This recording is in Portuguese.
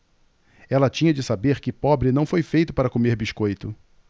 ela tinha de saber que pobre não foi feito para comer biscoito